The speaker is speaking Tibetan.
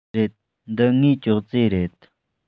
རེད འདི ངའི ཅོག ཙེ རེད